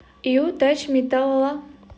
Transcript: ю тач ми талала